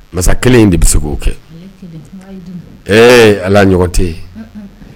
Masakɛ kelen in de bɛ se k'o kɛ ee ala ɲɔgɔn tɛ yen